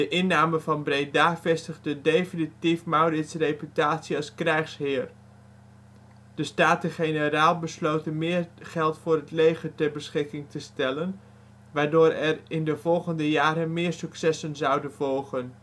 inname van Breda vestigde definitief Maurits ' reputatie als krijgsheer. De Staten-Generaal besloten meer geld voor het leger ter beschikking te stellen, waardoor er in de volgende jaren meer successen zouden volgen